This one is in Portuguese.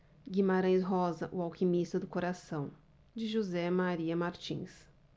guimarães rosa o alquimista do coração de josé maria martins